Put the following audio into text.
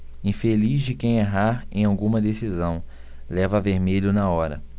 infeliz de quem errar em alguma decisão leva vermelho na hora